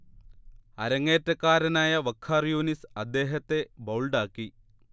അരങ്ങേറ്റക്കാരനായ വഖാർ യൂനിസ് അദ്ദേഹത്തെ ബൗൾഡാക്കി